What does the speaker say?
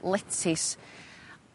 letys